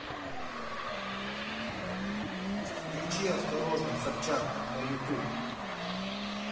включи осторожно собчак на ютуб